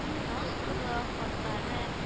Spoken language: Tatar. Наз тулы хатлары